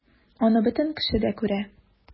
Аны бөтен кеше дә күрә...